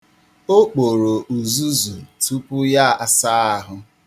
O kporo uzuzu tupu ya asaa ahụ.